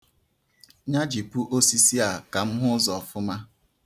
Nyajipụ osisi a ka m hụ ụzọ ọfụma.